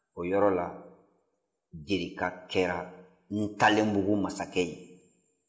o yɔrɔ la jerika kɛra ntalenbugu masakɛ ye